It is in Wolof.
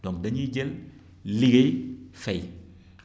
donc dañuy jël liggéey fay